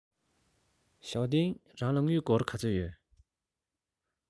ཞའོ ཏིང རང ལ དངུལ སྒོར ག ཚོད ཡོད